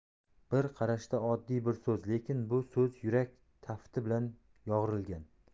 bir qarashda oddiy bir so'z lekin bu so'z yurak tafti bilan yo'g'rilgan